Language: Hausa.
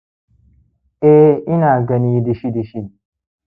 eh ina gani dishi-dishi